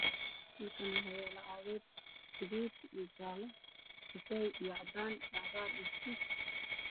Halkan waxa yala cagad gudud jale kafe cadan cagar iyo bulug